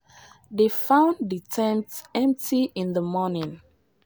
They found the tent empty in the morning.